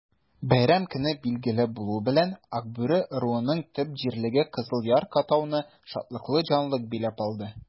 Бәйрәм көне билгеле булу белән, Акбүре ыруының төп җирлеге Кызыл Яр-катауны шатлыклы җанлылык биләп алды.